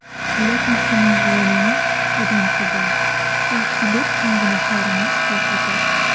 Ләкин синең золымыңа, Эдом кызы, ул килер һәм гөнаһларыңны фаш итәр.